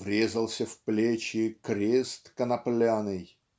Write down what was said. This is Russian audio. врезался в плечи крест конопляный".